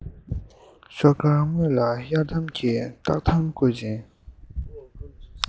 ཤོག དཀར ངོས ལ གཡར དམ གྱི རྟགས ཐམ བཀོད ཅིང